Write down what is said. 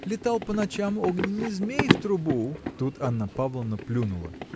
– летал по ночам огненный змей в трубу. Тут Анна Павловна плюнула.